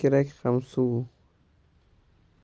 don kerak ham suv